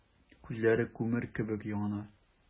Күзләре күмер кебек яна.